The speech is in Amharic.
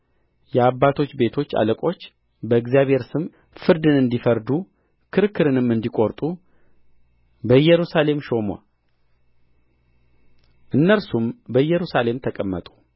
የአባቶች ቤቶች አለቆች በእግዚአብሔር ስም ፍርድን እንዲፈርዱ ክርክርንም እንዲቈርጡ በኢየሩሳሌም ሾመ እነርሱም በኢየሩሳሌም ተቀመጡ